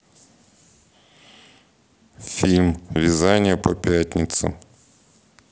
фильм вязание по пятницам